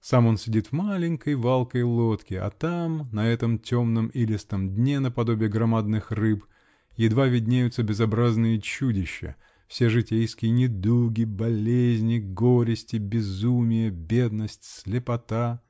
сам он сидит в маленькой, валкой лодке -- а там, на этом темном, илистом дне, наподобие громадных рыб, едва виднеются безобразные чудища: все житейские недуга, болезни, горести, безумие, бедность, слепота.